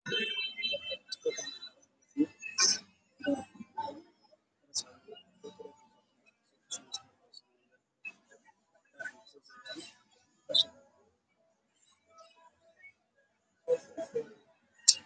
Waa biro iyo alwaaxyo isku dhagan